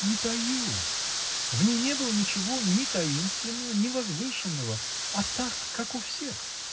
— Я не таю: в ней не было ничего ни таинственного, ни возвышенного, а так, как у всех.